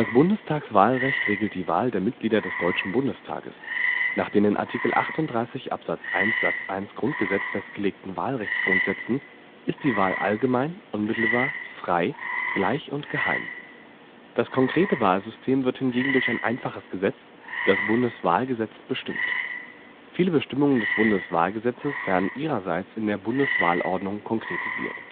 Bundestagswahlrecht regelt die Wahl der Mitglieder des Deutschen Bundestages. Nach den in Art. 38 Abs. 1 Satz 1 Grundgesetz (GG) festgelegten Wahlrechtsgrundsätzen ist die Wahl allgemein, unmittelbar, frei, gleich und geheim. Das konkrete Wahlsystem wird hingegen durch ein einfaches Gesetz, das Bundeswahlgesetz, bestimmt. Viele Bestimmungen des Bundeswahlgesetzes werden ihrerseits in der Bundeswahlordnung konkretisiert